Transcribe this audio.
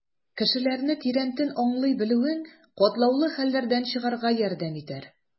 Кешеләрне тирәнтен аңлый белүең катлаулы хәлләрдән чыгарга ярдәм итәр.